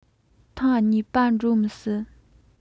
ཐེངས གཉིས པ འགྲོ མི སྲིད